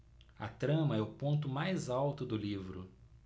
a trama é o ponto mais alto do livro